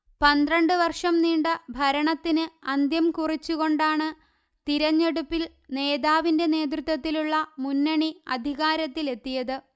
പന്ത്രണ്ട് വർഷം നീണ്ട ഭരണത്തിന് അന്ത്യം കുറിച്ചു കൊണ്ടാണ് തിരഞ്ഞെടുപ്പിൽ നേതാവിന്റെ നേതൃത്വത്തിലുള്ള മുന്നണി അധികാരത്തിലെത്തിയത്